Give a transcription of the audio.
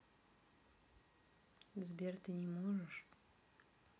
сбер ты не можешь